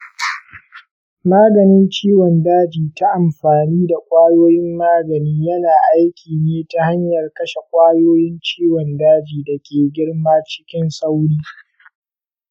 maganin ciwon daji ta amfani da kwayoyin magani yana aiki ne ta hanyar kashe kwayoyin ciwon daji da ke girma cikin sauri.